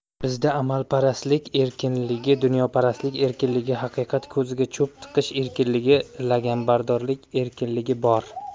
bizda amalparastlik erkinligi dunyoparastlik erkinligi haqiqat ko'ziga cho'p tiqish erkinligi laganbardorlik erkinligi bor